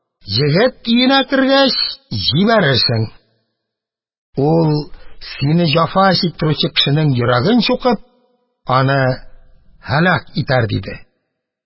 Егет өенә кергәч, җибәрерсең, ул, сине җәфа чиктерүче кешенең йөрәген чукып, аны һәлак итәр, – диде.